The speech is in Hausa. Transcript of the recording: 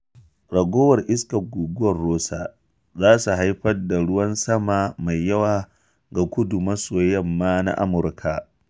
Ragowar iskar guguwar Rosa za su haifar da ruwan sama mai yawa ga kudu-maso-yamma na Amurka